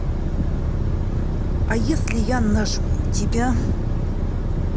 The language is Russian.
а если я нажму тебя